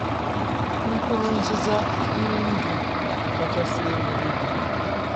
Nkurunziza, onye ndu kachasị elu ebighi ebi'